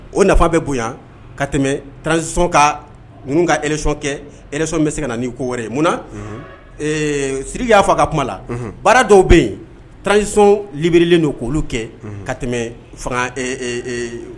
O nafa bɛ bonya ka tɛmɛ transition ka ninnu ka élection kɛ élection mun bɛ se ka na ni ko wɛrɛye, munna Sidiki y'a fɔ a ka kuma la, unhun, baara dɔw bɛ yen transition libérée len don k'olu kɛ ka tɛmɛ fanga ɛɛ